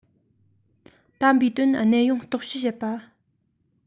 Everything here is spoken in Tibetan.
དམ པའི དོན གནད ཡོངས རྟོགས བྱེད པ